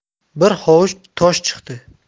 bir hovuch tosh chiqdi